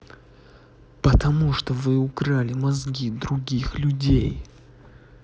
потому что вы украли мозги других людей